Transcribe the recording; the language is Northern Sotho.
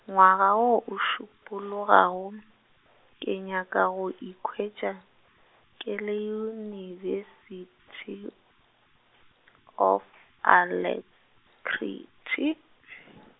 ngwaga wo o šupologago, ke nyaka go ikhwetša, ke le University , of Alacrity.